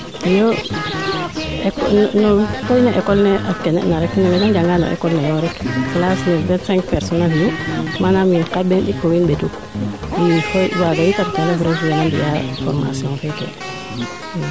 iyo no ecole ne nowe naa njanga no ecle ne yoo rek classe ne vingt cinq personne a fiyu manaam wiin xarɓeen ɗik fo wiin ɓetuk i fo waaga yit ten ref ref weena mbiya formation feeke